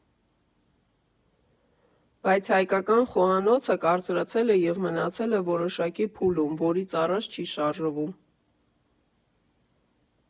Բայց հայկական խոհանոցը կարծրացել և մնացել է որոշակի փուլում, որից առաջ չի շարժվում։